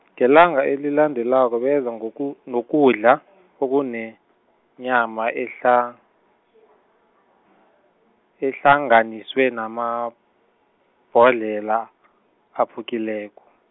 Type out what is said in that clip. ngelanga elilandelako beza ngoku- nokudla , okunenyama ehla-, ehlanganiswe, namabhodlelo, aphukileko.